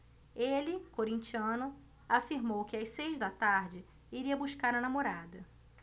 ele corintiano afirmou que às seis da tarde iria buscar a namorada